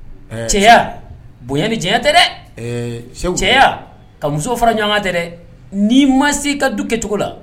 Ɛɛ cɛya bonya ni jaɲa tɛ dɛ ɛɛ Seku cɛya ka musow fara ɲɔɔn kan tɛ dɛ n'i ma se i ka du kɛcogo la